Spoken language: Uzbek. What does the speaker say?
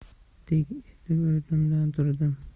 dik etib o'rnimdan turdim